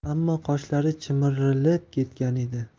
ammo qoshlari chimirilib ketgan edi